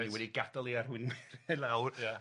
neu wedi gadal ei arweinwyr i lawr... Ia...